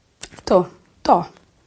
Do do.